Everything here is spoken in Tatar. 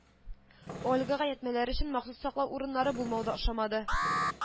Ольгага ятьмәләр өчен махсус саклау урыннары булмау да ошамады